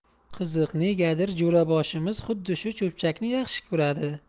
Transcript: qiziq negadir jo'raboshimiz xuddi shu cho'pchakni yaxshi ko'radi